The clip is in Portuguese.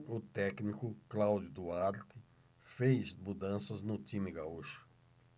o técnico cláudio duarte fez mudanças no time gaúcho